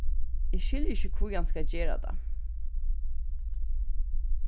eg skilji ikki hví hann skal gera tað